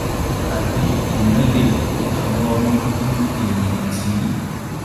Àbí èèyàn lè kó àwọn ọmọbíbí èèyàn tìí?